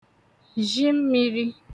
zhi mmīrī